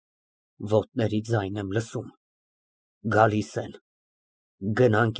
Ես ուզում եմ իմ աչքով տեսնել այդ թղթերը և անձամբ հավաստիանալ։ ՄԱՐԳԱՐԻՏ ֊ (Խորհրդավոր և եռանդով)։